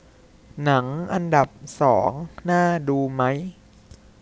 หนังอันดับสองน่าดูไหม